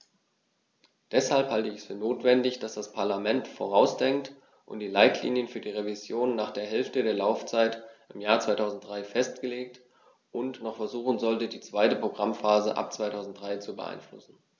Deshalb halte ich es für notwendig, dass das Parlament vorausdenkt und die Leitlinien für die Revision nach der Hälfte der Laufzeit im Jahr 2003 festlegt und noch versuchen sollte, die zweite Programmphase ab 2003 zu beeinflussen.